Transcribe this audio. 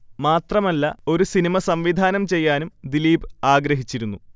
മാത്രമല്ല ഒരു സിനിമ സംവിധാനം ചെയ്യാനും ദിലീപ് ആഗ്രഹിച്ചിരുന്നു